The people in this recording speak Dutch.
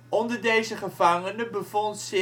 Onder deze gevangenen bevond